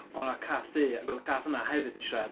Oedd 'na cath du ac oedd y cath yna hefyd yn siarad.